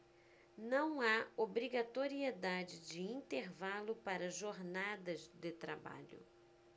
não há obrigatoriedade de intervalo para jornadas de trabalho